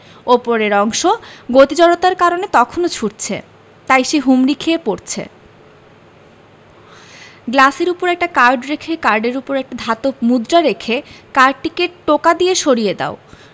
ওপরের অংশ গতি জড়তার কারণে তখনো ছুটছে তাই সে হুমড়ি খেয়ে পড়ছে গ্লাসের উপর একটা কার্ড রেখে কার্ডের উপর একটা ধাতব মুদ্রা রেখে কার্ডটিকে টোকা দিয়ে সরিয়ে দাও